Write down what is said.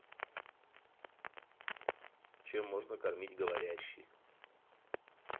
чем можно кормить говорящий